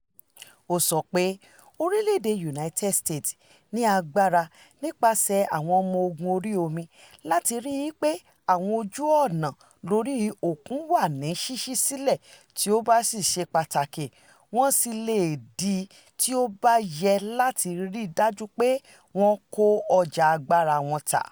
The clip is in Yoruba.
“Ó sọ pé “Oriléèdè United States ní agbára nípasẹ̀ àwọn ọmọ ogun orí omi láti rí i pé àwọn ojú ọ̀nà lórí òkun wà ní ṣíṣílẹ̀, Tí ó bá sì ṣe pàtàkì, wọ́n sì lè dí i tí ó bá yẹ láti rí i dájú pé wọn kò ọ̀jà agbára wọn tà .